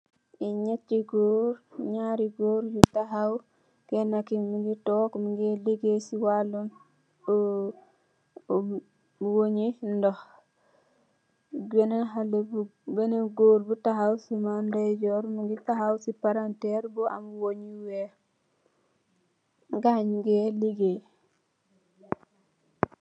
Lii njehti gorre, njaari gorre yu takhaw, kenah kii mungy tok, mungeh legaye cii waaloum ehh, weu weungh njii ndoh, benen haleh bu, benen gorre bu takhaw suma ndeyjorr mungy takhaw cii palanterre bu am weungh yu wekh, gaii njungeh legaye.